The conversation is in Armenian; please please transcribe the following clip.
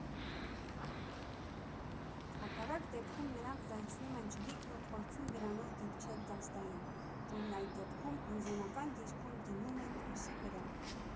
Հակառակ դեպքում նրանք վերցնում են չլիկն ու փորձում դրանով դիպչել դաստային, որն այդ դեպքում հորիզոնական դիրքում դնում են փոսի վրա։